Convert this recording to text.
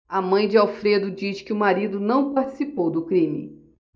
a mãe de alfredo diz que o marido não participou do crime